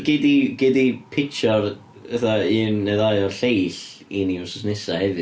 Gei di gei di pitsio'r fatha un neu ddau o'r lleill i ni wsnos nesa hefyd.